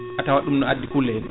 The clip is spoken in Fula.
a tawat ɗum ne addi kuule